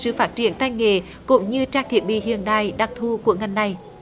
sự phát triển tay nghề cũng như trang thiết bị hiện đại đặc thù của ngành này